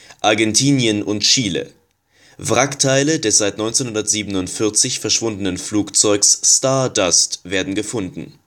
Argentinien und Chile: Wrackteile des seit 1947 verschwundenen Flugzeugs Star Dust werden gefunden